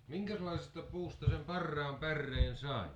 minkäslaisesta puusta sen parhaan päreen sai